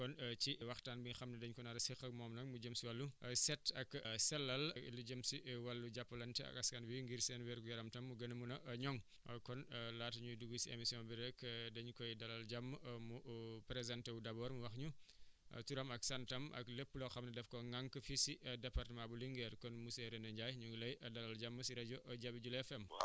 kon ci waxtaan bi nga xam ne dañ ko nar a seq ak moom nag mu jëm si wàllu set ak sellal lu jëm si wàllu jàppalante ak askan wi ngir seen wér gu yaram tam mu gën a mun a ñoŋ kon laata ñuy dugg si émission bi rek dañu koy dalal jàmm mu présenté wu d' abord mu wax ñu turam ak santam ak lépp loo xam ne daf ko ŋànk fii si département bu Linguère kon monsieur René Ndiaye ñu ngi lay dalal jàmm si rajo Jabi Jula FM